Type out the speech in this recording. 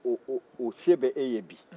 ɔ-ɔ-ɔ ɔ se bɛ e ye bi